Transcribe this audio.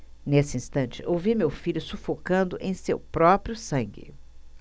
nesse instante ouvi meu filho sufocando em seu próprio sangue